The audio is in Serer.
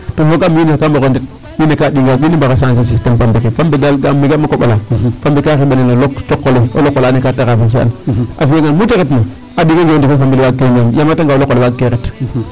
To foogaam wiin we ga' mbaro ɗeet wiin we ga' ɗinga wiin we mbar a changer systeme pambe ke fambe daal yee ga'aam a koƥ ala fambe kaa xembanel no loq cok ole o loq kaa taxa fonctionner kee a fi'angaan mu ta retna a ɗegangiran fambe le waagkee ñaam yaam a retanga o lokoox waagkee ret